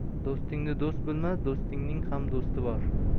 do'stingni do'st bilma do'stingning ham do'sti bor